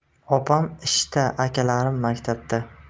opam ishda akalarim maktabda